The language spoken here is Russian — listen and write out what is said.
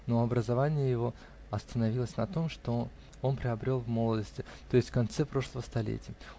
но образование его остановилось на том, что он приобрел в молодости, то есть в конце прошлого столетия.